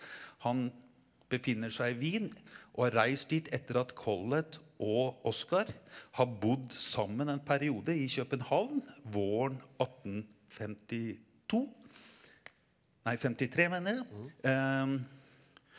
han befinner seg i Wien og har reist dit etter at Collett og Oscar har bodd sammen en periode i København våren 1852 nei 53 mener jeg .